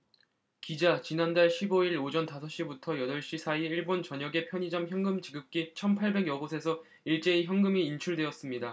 기자 지난달 십 오 일 오전 다섯 시부터 여덟 시 사이 일본 전역의 편의점 현금지급기 천 팔백 여 곳에서 일제히 현금이 인출됐습니다